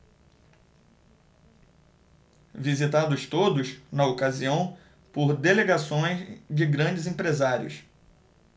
visitados todos na ocasião por delegações de grandes empresários